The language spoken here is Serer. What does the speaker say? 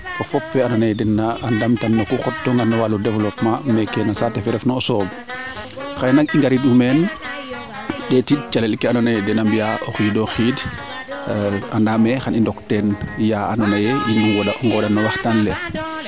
fo fop fe ando naye dena ndam tan no ku xot tuuna no walu developpement meeke no saate fee refnma o sooɓ xaye nak i ngariid u meen ndetiid calel ke ando naye dena mbiya o xiido xiid andame xan i ndok teen ya ando naye i ngoonda no waxtaan le